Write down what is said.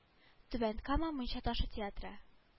Түбән кама мунча ташы театры